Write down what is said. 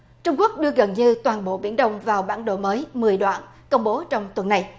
trung quốc đưa gần như toàn bộ biển đông vào bản đồ mới mười đoạn công bố trong tuần này